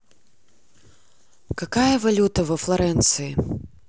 какая валюта во флоренции